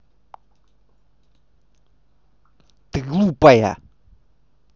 ты глупая